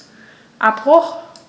Abbruch.